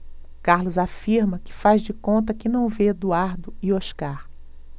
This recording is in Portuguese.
carlos afirma que faz de conta que não vê eduardo e oscar